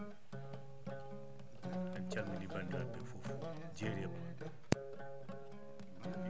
en calminii banndiraaɓe ɓee fof jeeri e waalo